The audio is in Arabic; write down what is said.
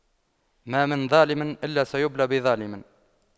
ما من ظالم إلا سيبلى بظالم